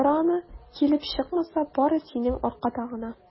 Кара аны, килеп чыкмаса, бары синең аркада гына!